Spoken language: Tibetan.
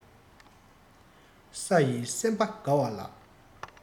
ས ཡིས སེམས པ དགའ བ ལ